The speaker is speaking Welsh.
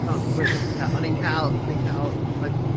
fel o'n i'n gweud... ...o'n i'n ca- o'n i'n ca'l like...